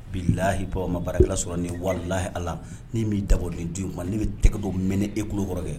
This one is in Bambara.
Bi lahibɔ ma baara sɔrɔ ni walilayi ala ni'i dabɔden di in kɔnɔ ne bɛ tɛgɛ don m e tulo kɔrɔkɛ